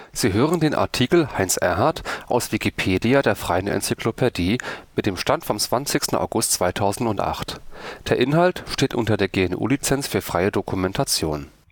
Sie hören den Artikel Heinz Erhardt, aus Wikipedia, der freien Enzyklopädie. Mit dem Stand vom Der Inhalt steht unter der Lizenz Creative Commons Attribution Share Alike 3 Punkt 0 Unported und unter der GNU Lizenz für freie Dokumentation